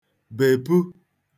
bepu